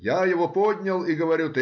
Я его поднял и говорю